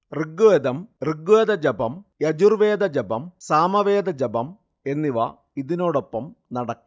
ഋഗ്വേദജപം, യജൂർവേദ ജപം, സാമവേദ ജപം എന്നിവ ഇതിനോടൊപ്പം നടക്കും